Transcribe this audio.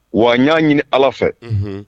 Wa n y'a ɲini ala fɛ